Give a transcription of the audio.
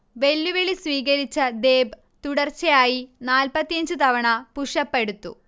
വെല്ലുവിളി സ്വീകരിച്ച ദേബ് തുടർച്ചയായി നാല്പത്തി അഞ്ച് തവണ പുഷ്അപ് എടുത്തു